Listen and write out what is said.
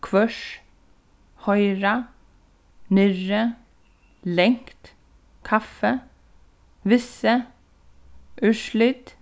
hvørs hoyra niðri langt kaffi vissi úrslit